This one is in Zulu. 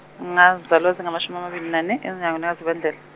ngazalwa zinga mashumi amabili nane, enyangeni kaZibandlela.